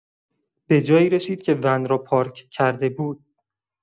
به جایی رسید که ون را پارک کرده بود.